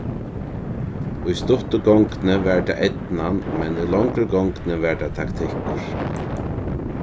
í stuttu gongdini var tað eydnan men í longru gongdini var tað taktikkur